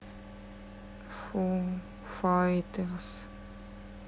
фу файтерс